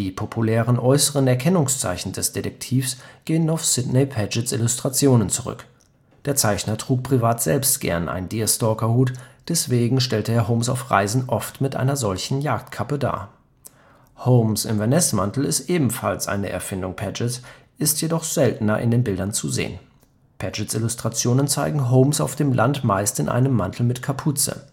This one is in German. populären äußeren Erkennungszeichen des Detektivs gehen auf Sidney Pagets Illustrationen zurück: der Zeichner trug privat selbst gern einen Deerstalker-Hut, deswegen stellte er Holmes auf Reisen oft mit einer solchen Jagdkappe dar. Holmes’ Inverness-Mantel ist ebenfalls eine Erfindung Pagets, ist jedoch seltener in den Bildern zu sehen. Pagets Illustrationen zeigen Holmes auf dem Lande meist in einem Mantel mit Kapuze